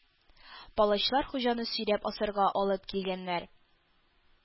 Палачлар Хуҗаны сөйрәп асарга алып килгәннәр.